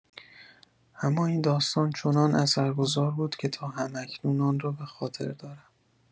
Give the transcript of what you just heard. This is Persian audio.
اما این داستان چنان اثرگذار بود که تا هم‌اکنون آن را به‌خاطر دارم.